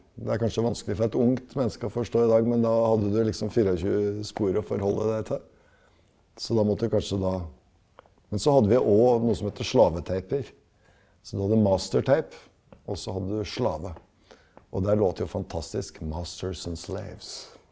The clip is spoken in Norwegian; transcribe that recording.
det er kanskje vanskelig for et ungt menneske å forstå i dag, men da hadde du liksom 24 spor å forholde deg til, så da måtte du kanskje da men så hadde vi òg noe som heter slavetaper så du hadde mastertape også hadde du slave, og det her låt jo fantastisk .